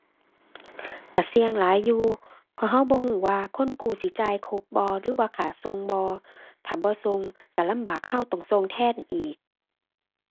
ก็เสี่ยงหลายอยู่ เพราะก็บ่ก็ว่าคนกู้สิจ่ายครบบ่ หรือว่าขาดส่งบ่ ถ้าบ่ส่งก็ลำบากก็ต้องส่งแทนอีก